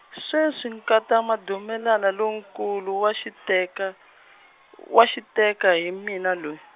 sweswi nkata Madumelani lonkulu wa xiteka, wa xiteka hi mina loyi.